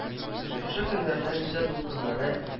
Шушы көннәрдә “Мишә дулкыннары”